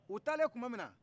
u talen tuma min na